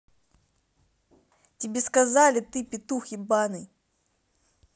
тебе сказали ты петух ебаный